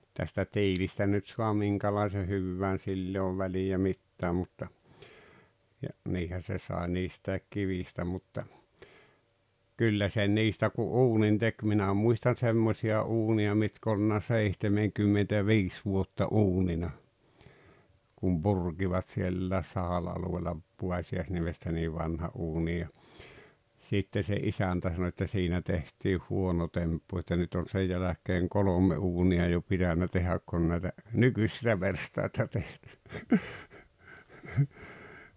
tästä tiilestä nyt saa minkälaisen hyvänsä sillä ei ole väliä mitään mutta ja niinhän se sai niistä kivistä mutta kyllä sen niistä kun uunin teki minä muistan semmoisia uuneja mitkä ollut seitsemänkymmentäviisi vuotta uunina kun purkivat sielläkin Sahalan alueella Puosiaisniemestä niin vanhan uunin ja sitten se isäntä sanoi että siinä tehtiin huono temppu että nyt on sen jälkeen kolme uunia jo pitänyt tehdä kun näitä nykyisiä verstaita -